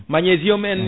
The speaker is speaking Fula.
magnésium en